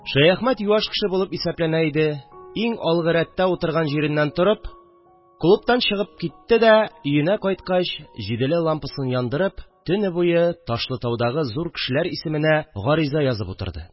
Шәяхмәт юаш кеше булып исәпләнә иде – иң алгы рәттә утырган җиреннән торып, клубтан чыгып китте дә, өенә кайткач җиделе лампасын яндырып төне буе Ташлытаудагы зур кешеләр исеменә гариза язып утырды